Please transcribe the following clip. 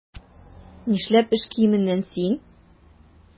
Нишләп эш киеменнән син?